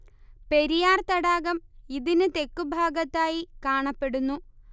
പെരിയാർ തടാകം ഇതിന് തെക്കു ഭാഗത്തായി കാണപ്പെടുന്നു